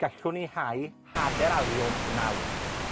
gallwn ni hau hade'r aliwm nawr.